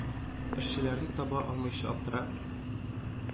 Эшчеләрне таба алмыйча, аптырап,